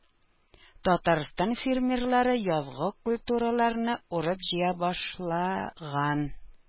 Татарстан фермерлары язгы культураларны урып-җыя башлаган.